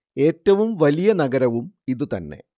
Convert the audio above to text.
ഏറ്റവും വലിയ നഗരവും ഇതു തന്നെ